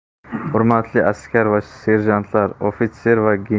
hurmatli askar va serjantlar ofitser va